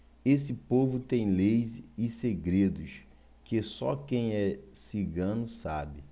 esse povo tem leis e segredos que só quem é cigano sabe